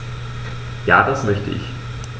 Ja, das möchte ich.